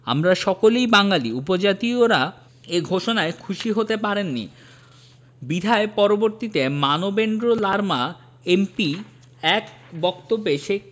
আমরা সকলেই বাঙালি উপজাতয়িরা এ ঘোষণায় খুশী হতে পারেনি বিধায় পরবর্তীতে মানবেন্দ্র লারমা এম.পি. এক বক্তব্যে শেখ